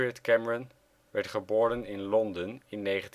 Cameron werd geboren in Londen in 1966